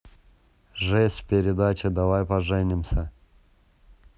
жесть в передаче давай поженимся